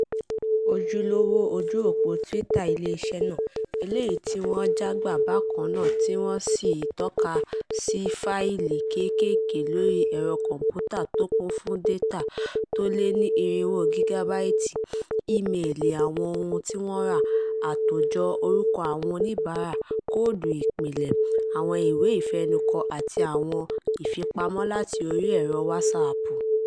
Ojúlówo ojú òpó Twitter iléeṣẹ́ náà, eléyìí tí wọ́n jágbà bákan náà, tí wọ́n sí itọ́ka sí fáìlì kékèèké orí ẹ̀rọ kọ̀m̀pútà tó kún fún dátà tó lé ní 400 gígábáìtì: Íméelì, àwọn owó ohun tí wọ́n rà, àtòjọ orúkọ àwọn oníbàárà, koòdù ìpìlẹ̀, àwọn ìwé ìfẹnukò àti àwọn ifipamọ́ láti orí ẹ̀rọ WhatsApp